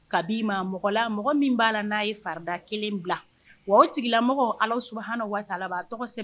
Ka mɔgɔ la mɔgɔ min n'a ye farida kelen bila wa o sigilenla mɔgɔ ala su waati ala a tɔgɔ